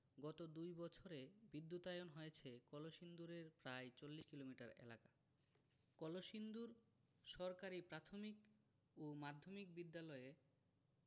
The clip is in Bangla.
গত দুই বছরে বিদ্যুতায়ন হয়েছে কলসিন্দুরের প্রায় ৪০ কিলোমিটার এলাকা কলসিন্দুর সরকারি প্রাথমিক ও মাধ্যমিক বিদ্যালয়ে